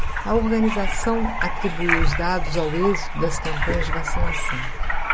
a organização atribuiu os dados ao êxito das campanhas de vacinação